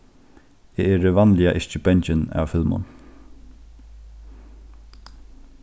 eg eri vanliga ikki bangin av filmum